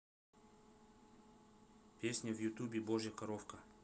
песня в ютубе божья коровка